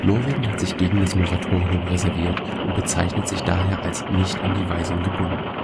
Norwegen hat sich gegen das Moratorium reserviert und bezeichnet sich daher als nicht an die Weisung gebunden.